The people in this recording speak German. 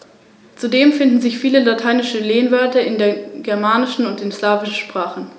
Dies betrifft in gleicher Weise den Rhöner Weideochsen, der auch als Rhöner Biosphärenrind bezeichnet wird.